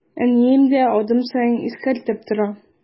Әнием дә адым саен искәртеп тора.